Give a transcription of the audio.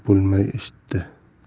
so'zlarini bo'lmay eshitdi